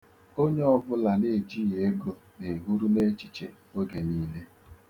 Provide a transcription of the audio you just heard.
Onye ọ bụla na-ejighi ego na-ehuru n'echiche oge niile.